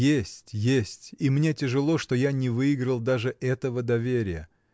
— Есть, есть, и мне тяжело, что я не выиграл даже этого доверия.